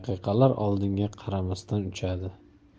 daqiqalar oldinga qaramasdan uchadi